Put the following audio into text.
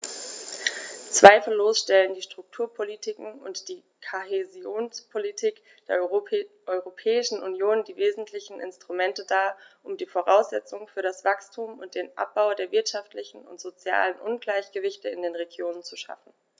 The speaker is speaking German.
Zweifellos stellen die Strukturpolitiken und die Kohäsionspolitik der Europäischen Union die wesentlichen Instrumente dar, um die Voraussetzungen für das Wachstum und den Abbau der wirtschaftlichen und sozialen Ungleichgewichte in den Regionen zu schaffen.